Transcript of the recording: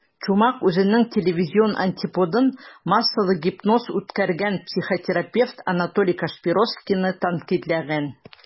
Чумак үзенең телевизион антиподын - массалы гипноз үткәргән психотерапевт Анатолий Кашпировскийны тәнкыйтьләгән.